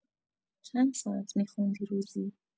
چند ساعت می‌خوندی روزی؟